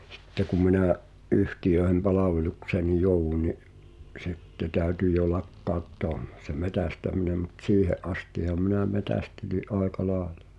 sitten kun minä yhtiöiden palvelukseen jouduin niin sitten täytyi jo lakkauttaa - se metsästäminen mutta siihen astihan minä metsästelin aika lailla